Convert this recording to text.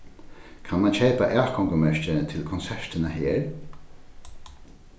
kann mann keypa atgongumerki til konsertina her